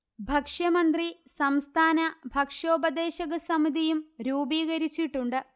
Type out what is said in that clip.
ഭക്ഷ്യ മന്ത്രി സംസ്ഥാന ഭക്ഷ്യോപദേശകസമിതിയും രൂപീകരിച്ചിട്ടുണ്ട്